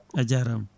a jarama